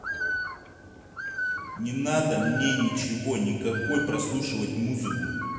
не надо мне ничего никакой прослушивать музыку